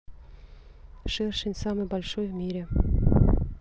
шершень самый большой в мире